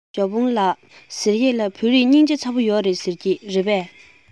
ཞའོ ཧྥུང ལགས ཟེར ཡས ལ བོད རིགས སྙིང རྗེ ཚ པོ ཡོད རེད ཟེར གྱིས རེད པས